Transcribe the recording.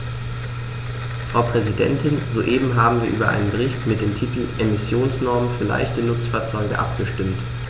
Frau Präsidentin, soeben haben wir über einen Bericht mit dem Titel "Emissionsnormen für leichte Nutzfahrzeuge" abgestimmt.